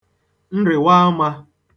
nrị̀wàamā